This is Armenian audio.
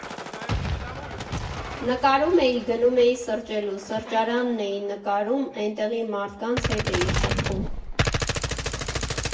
Նկարում էի, գնում էի սրճելու, սրճարանն էի նկարում, էնտեղի մարդկանց հետ էի շփվում։